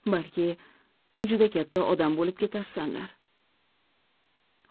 balki juda katta odam bo'lib ketarsanlar